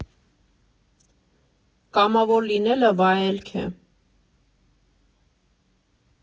Կամավոր լինելը վայելք է։